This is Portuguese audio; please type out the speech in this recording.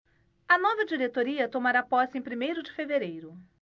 a nova diretoria tomará posse em primeiro de fevereiro